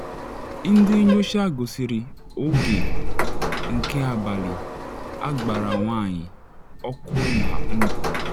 Ndị nyocha gosiri oge nke abalị agbara nwanyị ọkụ na ndụ